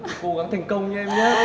cố gắng thành công nhớ em nhớ